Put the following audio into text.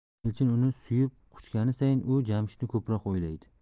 elchin uni suyib quchgani sayin u jamshidni ko'proq o'ylaydi